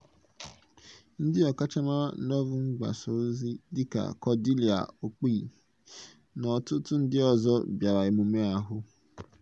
Ndị ọkachamara n'ọrụ mgbasa ozi dịka Cordelia Okpei na ọtụtụ ndị ọzọ bịara emume ahụ.